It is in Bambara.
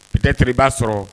I tɛ tbaa sɔrɔ